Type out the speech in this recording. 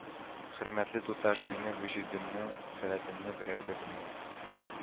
Хөрмәтле туташ, минем вөжүдемне, халәтемне берәү дә белми